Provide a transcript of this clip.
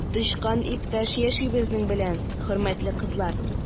Тычкан иптәш яши безнең белән, хөрмәтле кызлар!